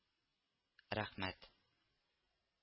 Рәхмәт